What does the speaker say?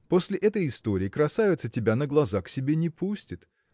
после этой истории красавица тебя на глаза к себе не пустит.